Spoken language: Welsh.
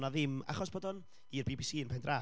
O' na ddim... achos bod o i'r BBC yn pen draw,